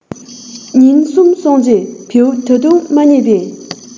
ཉིན གསུམ སོང རྗེས བེའུ ད དུང མ རྙེད པས